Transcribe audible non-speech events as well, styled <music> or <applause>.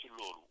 <hesitation> <hesitation>